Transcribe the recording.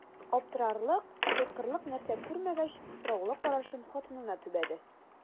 Аптырарлык, куркырлык нәрсә күрмәгәч, сораулы карашын хатынына төбәде.